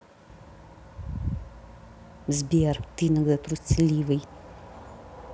сбер ты иногда трусливый